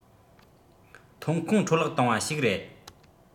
ཐོན ཁུངས འཕྲོ བརླག བཏང བ ཞིག རེད